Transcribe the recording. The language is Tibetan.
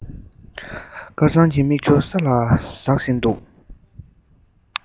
དཀར གཙང གི མིག ཆུ ས ལ ཟགས བཞིན འདུག